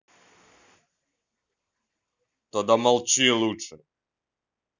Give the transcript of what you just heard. тогда молчи лучше